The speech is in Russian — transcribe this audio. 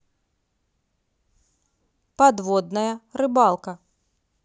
подводная рыбалка